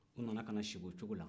o nana ka na sigi o cogo la